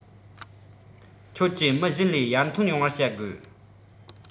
ཁྱོད ཀྱིས མི གཞན ལས ཡར ཐོན ཡོང བར བྱ དགོས